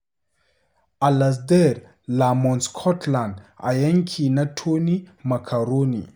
Alasdair Lamont Scotland a Yanki na Tony Macaroni